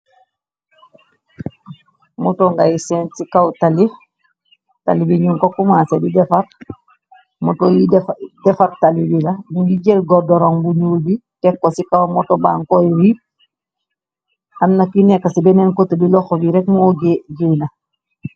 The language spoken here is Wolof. Moto ngay seen ci kaw tali bi ñu kokkumaasé di defamotol yi defar tali wi la bi ngi jël gor doron bu ñuul bi tekko ci kaw moto baan koyu rip amna ki nekk ci beneen kote di loxo bi rek moo gey na.